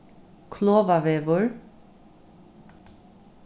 klovavegur